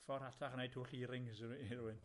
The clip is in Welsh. Ffor' alltach o wneud twll earrings i ry- i rywun.